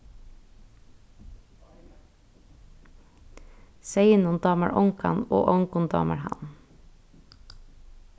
seyðinum dámar ongan og ongum dámar hann